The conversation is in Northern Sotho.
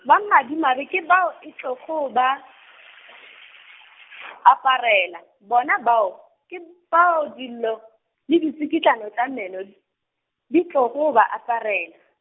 ba madimabe ke bao e tlogo ba , aparela, bona bao ke bao dillo, le ditsikitlano tša meno d-, di tlogo ba aparela.